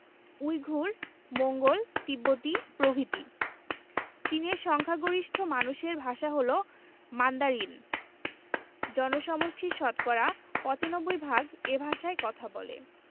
Uyghur Mongol তিব্বতি প্রভৃতি চীনের সংখ্যাগরিষ্ঠ মানুষের ভাষা হলো মান্দারিন জনসমষ্টির শতকরা ৯৫ ভাগ এ ভাষায় কথা বলে